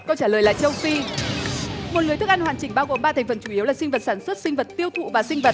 câu trả lời là châu phi một lưới thức ăn hoàn chỉnh bao gồm ba thành phần chủ yếu là sinh vật sản xuất sinh vật tiêu thụ và sinh vật